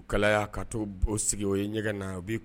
U kalaya ka to o sigi o ye ɲɛ na u